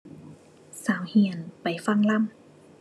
สาวเหี้ยน ไปฟังลำ